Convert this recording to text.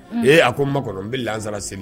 Ee a ko ma kɔnɔ,n bɛ lansara seli.